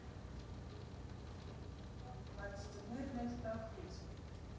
Բայց ձմեռն էլ տաք անցավ.